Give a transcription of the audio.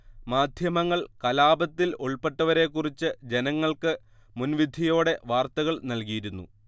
മാധ്യമങ്ങൾ കലാപത്തിൽ ഉൾപ്പെട്ടവരെക്കുറിച്ച് ജനങ്ങൾക്ക് മുൻവിധിയോടെ വാർത്തകൾ നൽകിയിരുന്നു